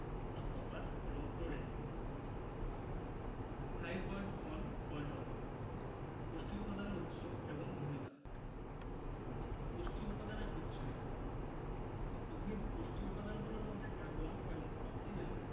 বা কপার এবং ক্লোরিন 5.1.1 পুষ্টি উপাদানের উৎস এবং ভূমিকা পুষ্টি উপাদানের উৎস উদ্ভিদ পুষ্টি উপাদানগুলোর মধ্যে কার্বন এবং অক্সিজেন